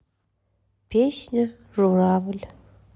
песня журавль